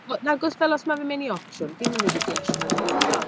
W- nag oes fel, os ma' fe'n mynd i auction, fi ddim yn rili deall sut mae fe'n gweithio.